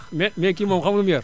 mais kii moom xam nga li mu yor